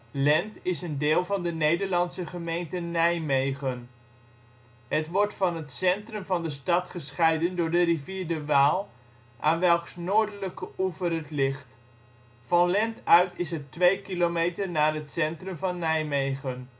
Lent is een deel van de Nederlandse gemeente Nijmegen. Het wordt van het centrum van de stad gescheiden door de rivier de Waal, aan welks noordelijke oever het ligt. Van Lent uit is het 2 km naar het centrum van Nijmegen